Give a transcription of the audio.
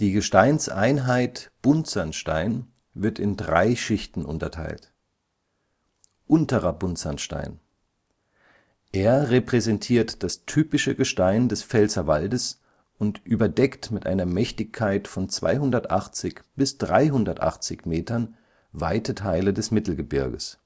Gesteinseinheit Buntsandstein wird in drei Schichten unterteilt: Trifelsschichten am Napoleonsfels bei Bruchweiler im Dahner Felsenland Unterer Buntsandstein Er repräsentiert das typische Gestein des Pfälzerwaldes und überdeckt mit einer Mächtigkeit von 280 bis 380 Metern weite Teile des Mittelgebirges